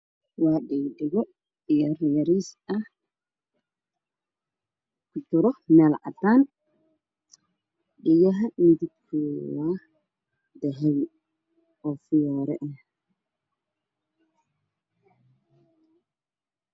Ma meel cadaan ah oo bariis ah yaalo waxaana ka dambeeyay kursi jaal ah miis weyn